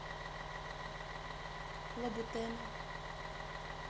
лабутены